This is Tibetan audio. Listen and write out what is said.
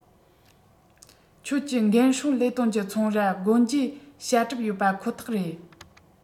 ཁྱོད ཀྱི འགོག སྲུང ལས དོན གྱི ཚོང ར སྒོ འབྱེད བྱ གྲབས ཡོད པ ཁོ ཐག རེད